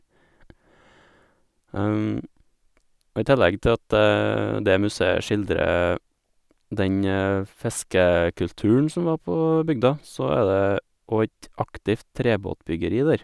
Og i tillegg til at det museet skildrer den fiskekulturen som var på bygda, så er det óg et aktivt trebåtbyggeri der.